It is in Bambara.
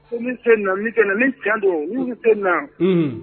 Se na ni cɛn don tɛ na